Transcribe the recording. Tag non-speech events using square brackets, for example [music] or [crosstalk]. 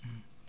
[hesitation] [hesitation]